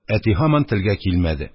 Әти һаман телгә килмәде.